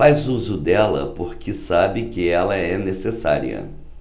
faz uso dela porque sabe que ela é necessária